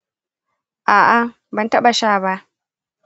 a'a, ban taba sha ba.